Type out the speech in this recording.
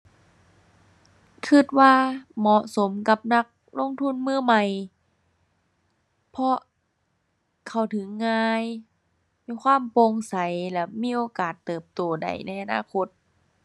คิดว่าเหมาะสมกับนักลงทุนมือใหม่ เพราะเข้าถึงง่าย มีความโปร่งใสแล้วมีโอกาสเติบโตได้ในอนาคต